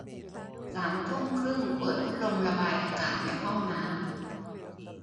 สามทุ่มครึ่งเปิดพัดลมระบายอากาศในห้องน้ำ